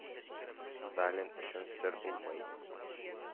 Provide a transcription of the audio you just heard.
Сталин өчен сер булмый,